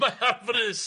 Mae ar frys.